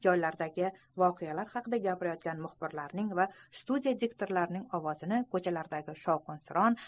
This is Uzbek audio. joylardagi voqealar haqida gapirayotgan muxbirning va studiya diktorining ovozini ko'chalardagi shovqin suron